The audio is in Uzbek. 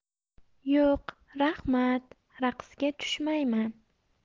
yo'q raxmat raqsga tushmayman